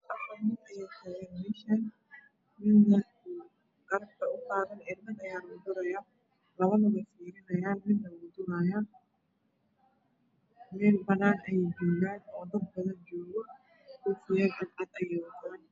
Afar nin ayaa taagan meeshaan mid ayaa ladurahayaa labana way fiirinahayaan meel banaan ah ayay joogaan oo dad joogo koofiyaal cadcad ayay wataan.